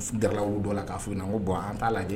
Dalaw dɔ la ka fɔ na ko bon an t'a lajɛ